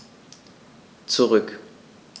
Zurück.